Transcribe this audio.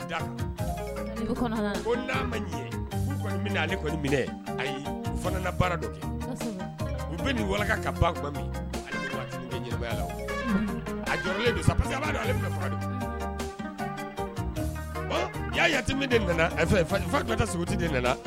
Ayi baara bɛ nin ka ba tuma min a jɔn don yati min fa tila kati den nana